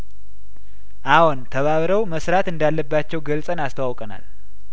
አዎን ተባብረው መስራት እንዳለባቸው ገልጸን አስተዋ ውቀናል